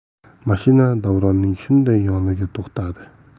mashina davronning shunday yonida to'xtadi